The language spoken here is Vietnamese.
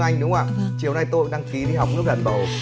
anh đúng không ạ chiều nay tôi cũng đăng ký đi học lớp đàn bầu